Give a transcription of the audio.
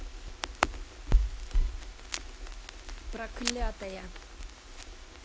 проклятая